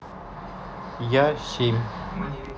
я семь